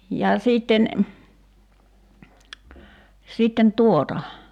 ja sitten sitten tuota